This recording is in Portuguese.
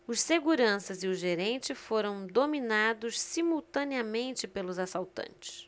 os seguranças e o gerente foram dominados simultaneamente pelos assaltantes